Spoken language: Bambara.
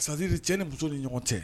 Sadiri cɛ ni muso ni ɲɔgɔn cɛ